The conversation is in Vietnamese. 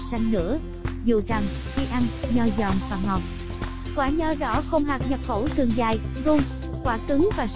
dù rằng khi ăn nho giòn và ngọt quả nho đỏ không hạt nhập khẩu thường dài thuôn